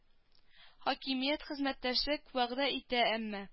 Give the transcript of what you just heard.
Хакимият хезмәттәшлек вәгъдә итә әмма